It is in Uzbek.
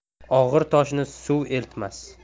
og'ir toshni suv eltmas